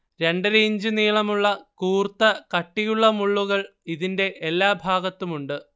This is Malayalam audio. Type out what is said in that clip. രണ്ടരയിഞ്ച് നീളമുള്ള കൂർത്ത കട്ടിയുള്ള മുള്ളുകൾ ഇതിന്റെ എല്ലാഭാഗത്തുമുണ്ട്